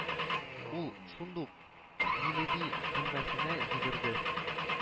Ул шундук миледи бүлмәсенә йөгерде